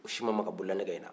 u si ma maga bololanɛgɛ in na